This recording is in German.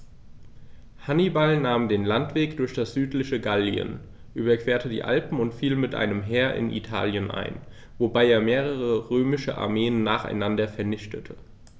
Hannibal nahm den Landweg durch das südliche Gallien, überquerte die Alpen und fiel mit einem Heer in Italien ein, wobei er mehrere römische Armeen nacheinander vernichtete.